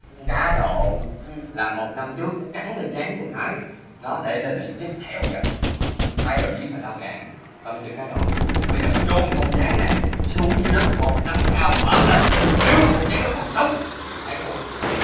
cá độ là một năm trước nó cắn lên trán của thằng thái đó để lại vết thẹo kìa thái đòi giết mà tao cản tao mới chơi cá độ bây giờ chôn con gián này xuống dưới đất một năm sau mở lên nếu mà con gián nó còn sống thì thái thua